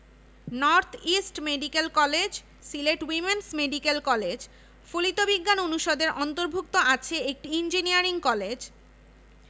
ফলিত বিজ্ঞান অনুষদের অন্তর্ভুক্ত বিভাগসমূহের মধ্যে আছে স্থাপত্যবিদ্যা ইলেকট্রনিক্স ও কম্পিউটার বিজ্ঞান রাসায়নিক প্রযুক্তি ও পলিমার বিজ্ঞান